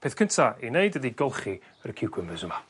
peth cynta i neud ydi golchi yr ciwcymbyrs yma.